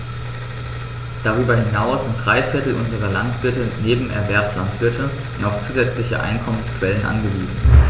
Darüber hinaus sind drei Viertel unserer Landwirte Nebenerwerbslandwirte und auf zusätzliche Einkommensquellen angewiesen.